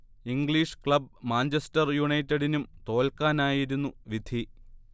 English club Manchester യുണൈറ്റഡിനും തോൽക്കാനായിരുന്നു വിധി